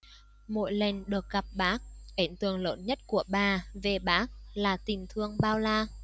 mỗi lần được gặp bác ấn tượng lớn nhất của bà về bác là tình thương bao la